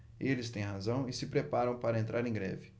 eles têm razão e se preparam para entrar em greve